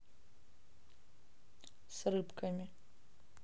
с рыбками